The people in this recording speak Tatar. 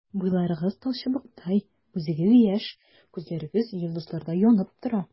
Буйларыгыз талчыбыктай, үзегез яшь, күзләрегез йолдызлардай янып тора.